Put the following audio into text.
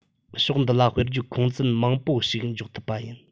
ཕྱོགས འདི ལ དཔེར བརྗོད ཁུངས བཙན མང པོ ཞིག འཇོག ཐུབ པ ཡིན